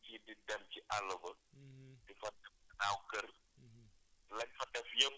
parce que li may bañ mooy nit yi di dem ci àll ba